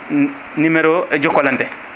numéro Jokalante